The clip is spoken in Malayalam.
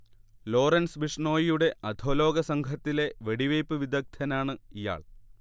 ലോറൻസ് ബിഷ്നോയിയുടെ അധോലോക സംഘത്തിലെ വെടിവെയ്പ്പ് വിദഗ്‌ദ്ധനാണ് ഇയാൾ